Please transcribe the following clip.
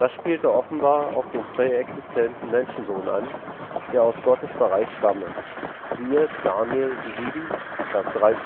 spielte offenbar auf den präexistenten „ Menschensohn “an, der aus Gottes Bereich stamme (Dan 7,13f